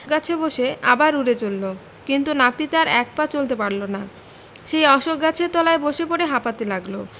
গাছে বসে আবার উড়ে চলল কিন্তু নাপিত আর এক পা চলতে পারল না সেই অশ্বখ গাছের তলায় বসে পড়ে হাঁপাতে লাগল